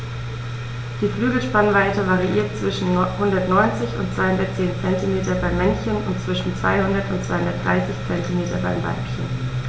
Die Flügelspannweite variiert zwischen 190 und 210 cm beim Männchen und zwischen 200 und 230 cm beim Weibchen.